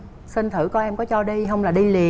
xin thử coi em có cho đi hông là đi liền